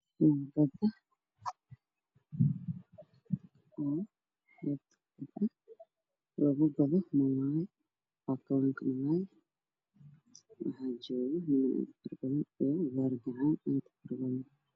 Waxaa ii muuqda dad farabadan oo joogaan xeebta badda oo ka kooban dhalinyaro dad waaweyn isugu jiro